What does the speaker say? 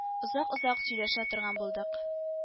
Озак-озак сөйләшә торган булдык